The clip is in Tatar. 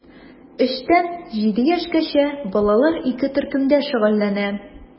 3 тән 7 яшькәчә балалар ике төркемдә шөгыльләнә.